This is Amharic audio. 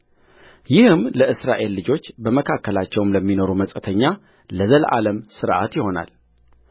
ይህም ለእስራኤል ልጆች በመካከላቸውም ለሚኖር መጻተኛ ለዘላለም ሥርዓት ይሆናል